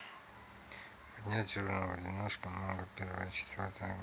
поднятие уровня в одиночку манго первая и четвертая глава